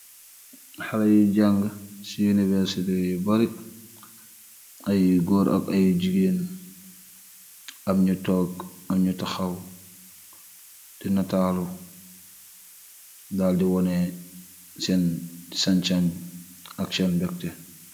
Haleh yu jangah si , University yu bareh aya goor ak aya jigeen emm nyu toog emm nyu tahaw , di natalu daldi woneh senn jajan ak senn begteh.